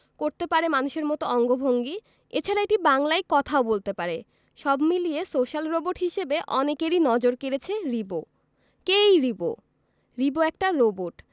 করতে পারে মানুষের মতো অঙ্গভঙ্গি এছাড়া এটি বাংলায় কথাও বলতে পারে সব মিলিয়ে সোশ্যাল রোবট হিসেবে অনেকেরই নজর কেড়েছে রিবো কে এই রিবো রিবো একটা রোবট